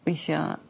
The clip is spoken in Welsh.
Weithia'